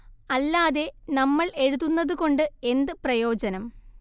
അല്ലാതെ നമ്മൾ എഴുതുന്നത് കൊണ്ട് എന്തു പ്രയോജനം